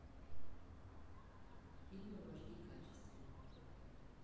фильмы в аш ди качестве